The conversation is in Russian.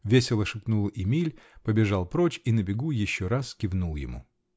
-- весело шепнул Эмиль, побежал прочь и на бегу еще раз кивнул ему.